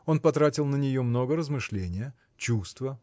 Он потратил на нее много размышления чувства